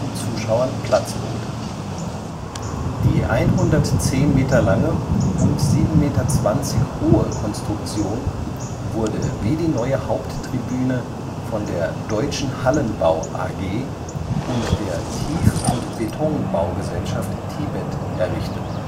Zuschauern Platz bot. Die 110 Meter lange und 7,20 Meter hohe Konstruktion wurde wie die neue Haupttribüne von der Deutschen Hallenbau AG und der Tief - und Betonbaugesellschaft Tibet errichtet